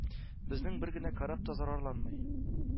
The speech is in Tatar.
Безнең бер генә кораб та зарарланмый,